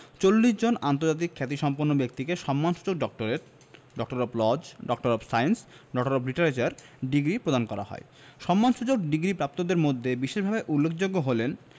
৪০ জন আন্তর্জাতিক খ্যাতিসম্পন্ন ব্যক্তিকে সম্মানসূচক doctorate doctor of laws doctor of science doctor of literature degree প্রদান করা হয় সম্মানসূচক ডিগ্রিপ্রাপ্তদের মধ্যে বিশেষভাবে উল্লেখযোগ্য হলেন